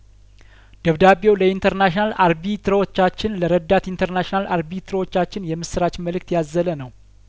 ደብዳቤው ለኢንተርናሽናል አርቢትሮቻችን ለረዳት ኢንተርናሽናል አርቢትሮቻችን የምስራች መልእክት ያዘ ለነው